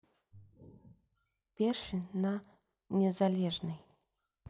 першень на незалежной